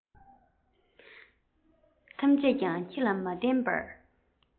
ཐམས ཅད ཀྱང ཁྱེད ལ མ བསྟེན པར